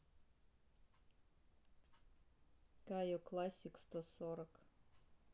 kayo classic сто сорок